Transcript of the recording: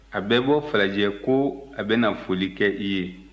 a bɛ bɔ falajɛ ko a bɛ na foli kɛ i ye